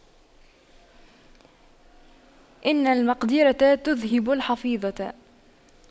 إن المقْدِرة تُذْهِبَ الحفيظة